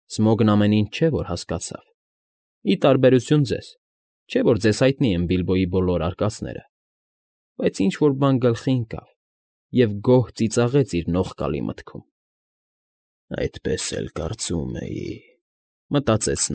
Սմոգն ամեն ինչ չէ, որ հասկացավ (ի տարբերություն ձեզ, չէ՞ որ ձեզ հայտնի են Բիլբոյի բոլոր արկածները), բայց ինչ֊որ բան գլխի ընկավ և գոհ ծիծաղեց իր նողկալի մտքում։ «Այդպես էլ կարծում էի,֊ մտածեց։